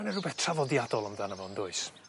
ma' 'ne rwbeth traddodiadol amdano fo yndoes?